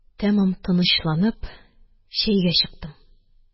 Тәмам тынычланып, чәйгә чыктым.